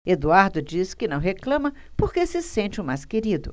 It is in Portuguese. eduardo diz que não reclama porque se sente o mais querido